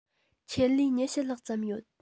ཆེད ལས ཉི ཤུ ལྷག ཙམ ཡོད